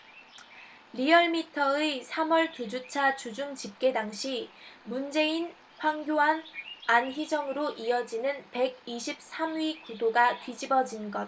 리얼미터의 삼 월 두 주차 주중집계 당시 문재인 황교안 안희정으로 이어지는 백 이십 삼 위 구도가 뒤집어진 것